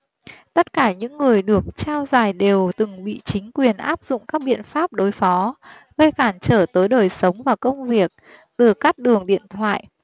tất cả những người được trao giải đều từng bị chính quyền áp dụng các biện pháp đối phó gây cản trở tới đời sống và công việc từ cắt đường điện thoại